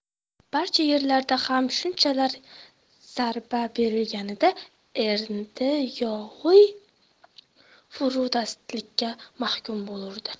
barcha yerlarda ham shunchalar zarba berilganida erdi yog'iy furudastlikka mahkum bo'lurdi